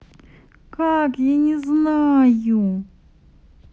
как я не знаю